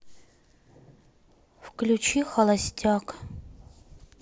включи холостяк